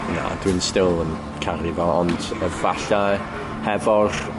Na dwi'n still yn caru fo ond efallai hefo'r